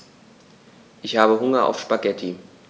Ich habe Hunger auf Spaghetti.